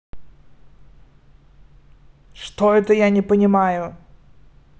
что это я не понимаю